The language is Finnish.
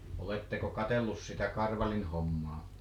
oletteko katsellut sitä karvarin hommaa